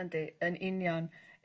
Yndi yn union.